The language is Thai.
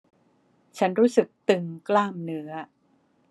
ฉันรู้สึกตึงกล้ามเนื้อ